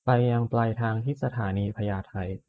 ไปยังปลายทางที่สถานีพญาไท